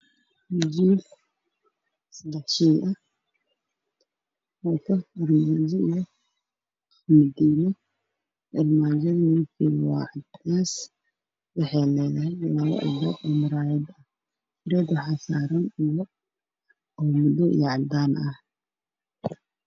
Halkaan waxaa ka muuqdo qol ay ku jiraan sariir nafar iyo bar jooriga saaran waa madaw iyo cadaan albaabka waa muraayad daaha ku xirana waa cadaan iyo diilmo madaw